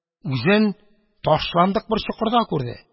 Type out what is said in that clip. Үзен ташландык бер чокырда күрде.